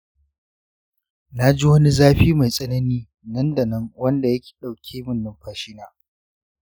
naji wani zafi mai tsanani nan da nan wanda ya ɗauke min numfashi na